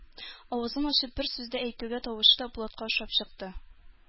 Авызын ачып бер сүз әйтүгә тавышы да Булатка ошап чыкты.